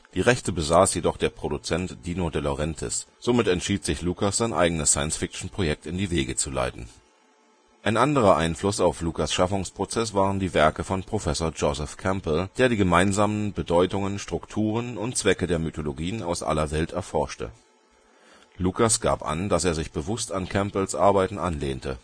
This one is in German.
Die Rechte besaß jedoch der Produzent Dino De Laurentiis. Somit entschied sich Lucas, sein eigenes Science-Fiction-Projekt in die Wege zu leiten. Ein anderer Einfluss auf Lucas ' Schaffungsprozess waren die Werke von Professor Joseph Campbell, der die gemeinsamen Bedeutungen, Strukturen und Zwecke der Mythologien aus aller Welt erforschte. Lucas gab an, dass er sich bewusst an Campbells Arbeiten anlehnte